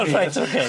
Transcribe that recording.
O reit oce.